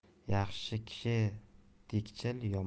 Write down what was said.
yaxshi kishi tegchil